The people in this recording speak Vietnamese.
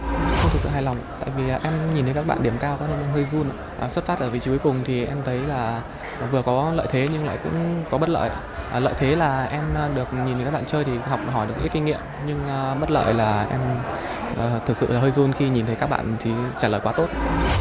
không thực sự hài lòng tại vì em nhìn thấy các bạn điểm cao quá nên em hơi run ạ xuất phát ở vị trí cuối cùng thì em thấy là vừa có lợi thế nhưng lại cũng có bất lợi ạ lợi thế là em được nhìn các bạn chơi thì học hỏi được ít kinh nghiệm nhưng bất lợi là em thực sự là hơi run khi nhìn thấy các bạn thì trả lời quá tốt